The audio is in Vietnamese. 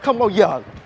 không bao giờ